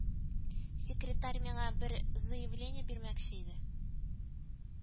Секретарь миңа бер заявление бирмәкче иде